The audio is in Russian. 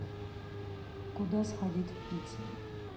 куда сходить в питере